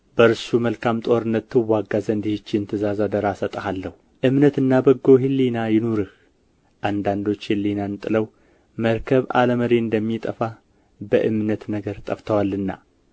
በእርሱ መልካም ጦርነት ትዋጋ ዘንድ ይህችን ትእዛዝ አደራ እሰጥሃለሁ እምነትና በጎ ሕሊና ይኑርህ አንዳንዶች ሕሊናን ጥለው መርከብ አለ መሪ እንደሚጠፋ በእምነት ነገር ጠፍተዋልና